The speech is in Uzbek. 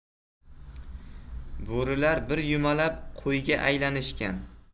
bo'rilar bir yumalab qo'yga aylanishgan